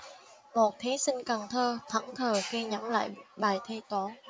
một thí sinh cần thơ thẫn thờ khi nhẩm lại bài thi toán